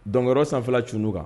Donyɔrɔ sanfɛ tunun kan